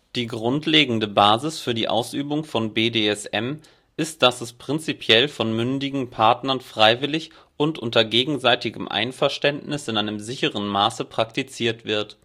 Die grundlegende Basis für die Ausübung von BDSM ist, dass es prinzipiell von mündigen Partnern freiwillig und unter gegenseitigem Einverständnis in einem sicheren Maße praktiziert wird